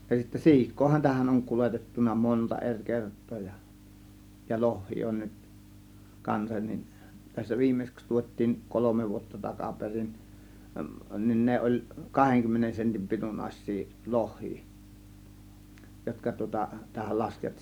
ja sitten siikaahan tähän on kuljetettu monta eri kertaa ja ja lohia on nyt kanssa niin tässä viimeiseksi tuotiin kolme vuotta takaperin niin ne oli kahdenkymmenen sentin pituisia lohia jotka tuota tähän laskettiin